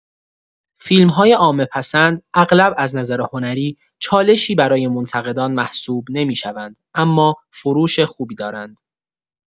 فیلم‌های عامه‌پسند اغلب از نظر هنری چالشی برای منتقدان محسوب نمی‌شوند اما فروش خوبی دارند.